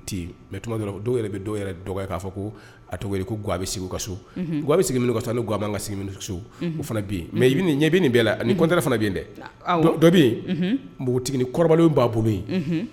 Mais tuma do la dɔw yɛrɛ bɛ dɔw yɛrɛ dɔgɔya k'a fɔ ko a tɔgɔ ye di ko guwa bɛ sigi o ka so guwa bɛ sigi min ka so ani guwa man kan ka sigi minnu ka so o fana bɛ ye mais i ɲɛ bɛ nin bɛɛ la nin contraire fana bɛ ye dɛ dɔ bɛ ye npogotigini kɔrɔbalenw b'a bolo ye.